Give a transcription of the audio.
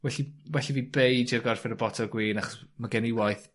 well i, well i fi beidio gorffen y botel o gwi achos ma' gen i waith